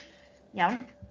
Iawn